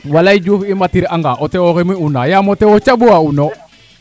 walay Diouf i matir anga o tewo xemi una yaam yaam o tewo caɓu a uno